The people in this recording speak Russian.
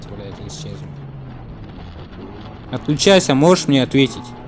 отключайся можешь мне ответить